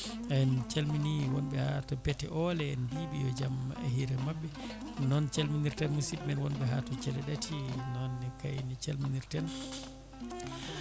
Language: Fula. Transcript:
en calmini wonɓe ha to Peete Oole en mbiɓe yo jaam hiire mabɓe noon calminirten musibɓe men wonɓe ha to Thiele Ɗati nonne kayne calminirten